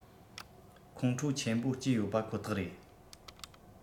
ལ ཁོང ཁྲོ ཆེན པོ སྐྱེས ཡོད པ ཁོ ཐག རེད